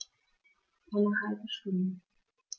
Eine halbe Stunde